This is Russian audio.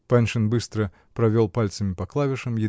Паншин быстро провел пальцами по клавишам